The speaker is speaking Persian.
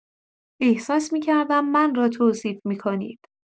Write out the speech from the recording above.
احساس می‌کردم من را توصیف می‌کنید.